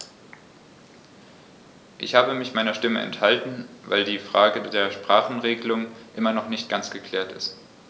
Ich habe mich meiner Stimme enthalten, weil die Frage der Sprachenregelung immer noch nicht ganz geklärt ist.